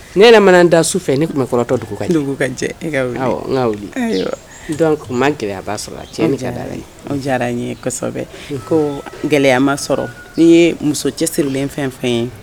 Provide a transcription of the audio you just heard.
Ne yɛlɛmana da su fɛ ne tun bɛ kɔrɔtɔ dugu kan ne ka jɛ n ka man gɛlɛyaba sɔrɔ cɛ diyara ye ko gɛlɛyama sɔrɔ ni ye muso cɛ sirilen fɛn fɛn ye